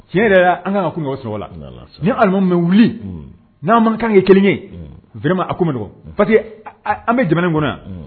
Tiɲɛ yɛrɛ yɛrɛ la an ka kan kunu ka bɔ sunɔgɔ la, n'a Ala sɔnna, ni alimamu ma wili, n'an m'an kan kɛ kelen ye, vraiment a ko ma nɔgɔ parce que an bɛ jamana min kɔnɔ yan